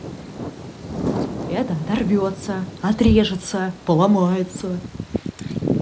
это оторвется отрежется поломается